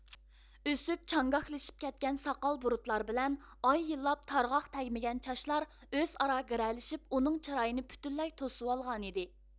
ئۆسۈپ چاڭگاكلىشىپ كەتكەن ساقال بۇرۇتلار بىلەن ئاي يىللاپ تارغاق تەگمىگەن چاچلار ئۆزئارا گىرەلىشىپ ئۇنىڭ چىرايىنى پۈتۈنلەي توسۇۋالغانىدى